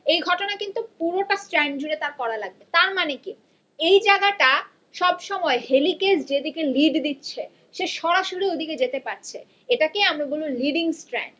এই ঘটনা কিন্তু পুরোটা স্ট্র্যান্ড জুড়ে তার করা লাগবে তার মানে কি এই জায়গা টা সবসময় হেলিকাজ যেদিকে লিড দিচ্ছে সে সরাসরি ওইদিকে যেতে পারছে এটাকে আমরা বলি লিডিং স্ট্র্যান্ড